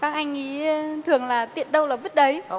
các anh ý thường là tiện đâu là vứt đấy